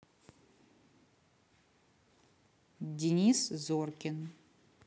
денис зоркин